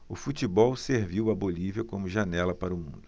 o futebol serviu à bolívia como janela para o mundo